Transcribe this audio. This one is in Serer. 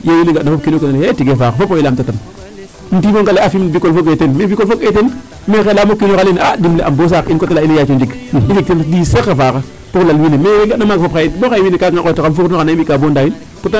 Yee wiin we nga'na fop kiin o kiin a lay ee xe tiye faaxaa fop awaye laamtatan Bicole fogee teen me Bicole fogee teen mais xelaam o kiin oxa lay ee a dimele'aam bo saax in coté laa in yaaco njeg dix sax a faaxa pour to lal wiin we. Mais ngarna maaga fop xaye bo xaye wiin we kaaga ga nqooytaxam nam i mbika bo ndaawin .